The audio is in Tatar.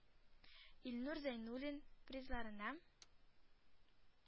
Илнур Зәйнуллин призларына